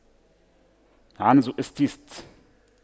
عنز استتيست